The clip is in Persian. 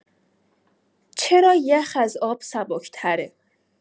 چرا یخ از آب سبک‌تره؟